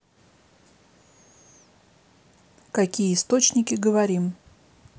какие источники говорим